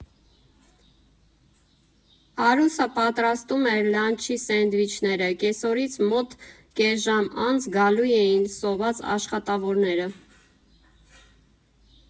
Արուսը պատրաստում էր լանչի սենդվիչները՝ կեսօրից մոտ կես ժամ անց գալու էին սոված աշխատավորները։